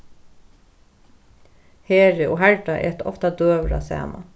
heri og harda eta ofta døgurða saman